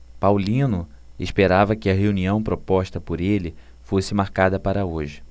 paulino esperava que a reunião proposta por ele fosse marcada para hoje